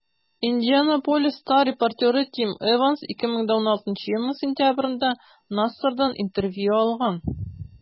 «индианаполис стар» репортеры тим эванс 2016 елның сентябрендә нассардан интервью алган.